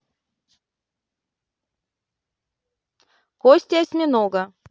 кости осьминога